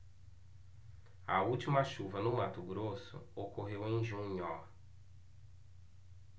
a última chuva no mato grosso ocorreu em junho